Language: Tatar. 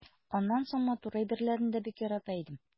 Аннан соң матур әйберләрне дә бик ярата идем.